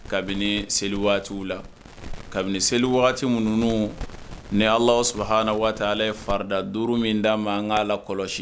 Kabini seli la kabini seli minnu ni allah subahaanahu wa taala ye farida 5 min d'a ma an k'a lakɔlɔsi.